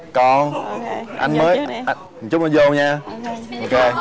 còn anh mới chút anh dô nhé ô kê